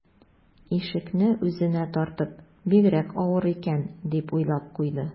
Ишекне үзенә тартып: «Бигрәк авыр икән...», - дип уйлап куйды